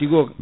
tigo